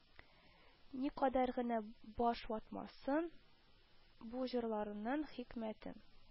Никадәр генә баш ватмасын, бу җырларның хикмәтен